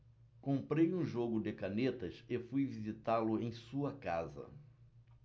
comprei um jogo de canetas e fui visitá-lo em sua casa